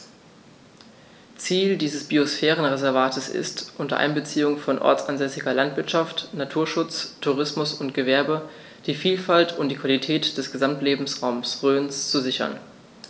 Ziel dieses Biosphärenreservates ist, unter Einbeziehung von ortsansässiger Landwirtschaft, Naturschutz, Tourismus und Gewerbe die Vielfalt und die Qualität des Gesamtlebensraumes Rhön zu sichern.